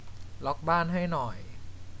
ล็อคบ้านให้หน่อย